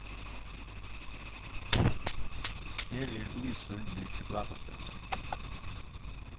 her er ísur við sjokulátasós